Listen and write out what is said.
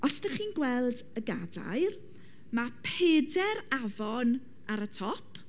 Os dach chi'n gweld y gadair, mae pedair afon ar y top.